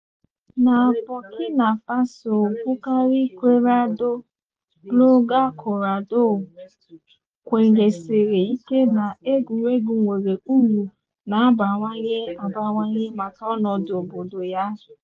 Na Burkina Faso, Boukari Ouédraogo, blọga Ouagadougou, kwenyesiri ike na egwumegwu nwere uru na-abawanye abawanye maka ọnọdụ obodo ya.